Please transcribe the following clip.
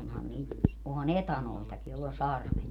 onhan niitä onhan etanoitakin jolla on sarvet